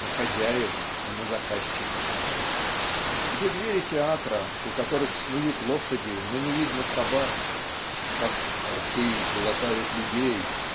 на хозяев и на заказчиков" где двери театра у которых снуют лошади но не видно собак "как рты глотают людей"